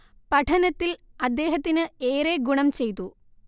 പഠനത്തിൽ അദ്ദേഹത്തിന് ഏറെ ഗുണം ചെയ്തു